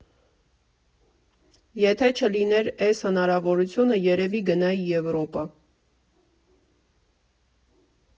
Եթե չլիներ էս հնարավորությունը, երևի գնայի Եվրոպա։